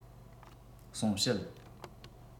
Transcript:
གསུངས བཤད